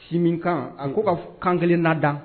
Si min kan a ko ka kan kelen na dan